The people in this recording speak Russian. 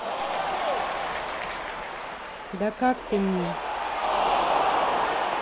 да как ты мне